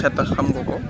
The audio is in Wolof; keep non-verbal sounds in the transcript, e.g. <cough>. <noise> xetax xam nga ko